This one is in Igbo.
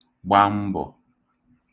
gbā m̄bọ̀